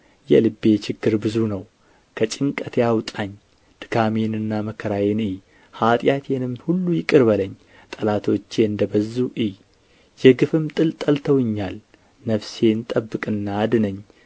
የልቤ ችግር ብዙ ነው ከጭንቀቴ አውጣኝ ድካሜንና መከራዬን እይ ኃጢአቴንም ሁሉ ይቅር በለኝ ጠላቶቼ እንደ በዙ እይ የግፍም ጥል ጠልተውኛል ነፍሴን ጠብቅና አድነኝ